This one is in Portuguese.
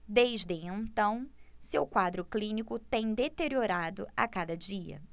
desde então seu quadro clínico tem deteriorado a cada dia